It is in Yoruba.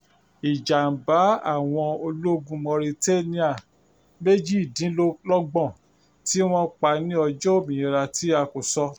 Ìjàm̀bá Àwọn Ológun Mauritania 28 tí wọ́n pa ní ọjọ́ Òmìnira tí a kò sọ